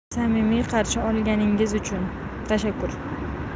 samimiy qarshi olganingiz uchun tashakkur